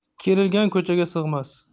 kerilgan ko'chaga sig'mas